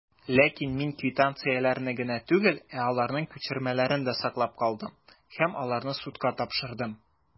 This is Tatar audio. Ләкин мин квитанцияләрне генә түгел, ә аларның күчермәләрен дә саклап калдым, һәм аларны судка тапшырдым.